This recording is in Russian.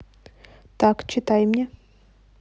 так читай мне